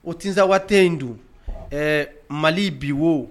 O tsa waati tɛ in dun mali biwo